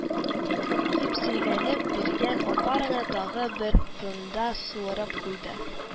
" дип сөйләнеп, биргән апараны тагы бер тында суырып куйды